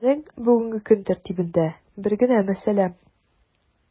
Безнең бүгенге көн тәртибендә бер генә мәсьәлә: